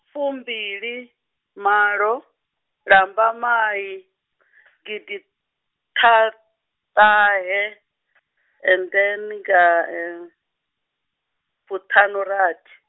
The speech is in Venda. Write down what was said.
fumbilimalo, Lambamai, gidiḓaṱahe , and then, nga , fuṱhanurathi.